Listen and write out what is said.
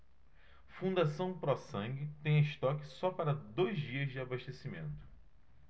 fundação pró sangue tem estoque só para dois dias de abastecimento